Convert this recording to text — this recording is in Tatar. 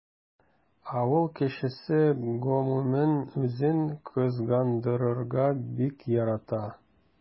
Авыл кешесе гомумән үзен кызгандырырга бик ярата.